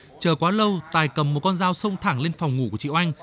chờ quá lâu tài cầm một con dao xông thẳng lên phòng ngủ của chị oanh